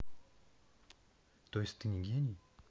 то есть ты не гений